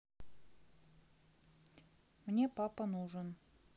мне папа нужен